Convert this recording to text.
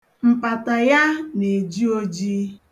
Mpata ya na-eji oji.